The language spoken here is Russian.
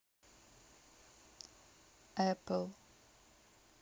apple